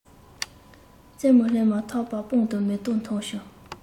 རྩེ མོར སླེབས མ ཐག པ སྤང དང མེ ཏོག མཐོང བྱུང